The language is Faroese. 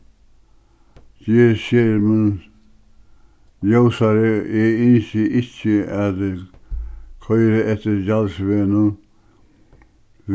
ger skermin ljósari eg ynski ikki at koyra eftir gjaldsvegnum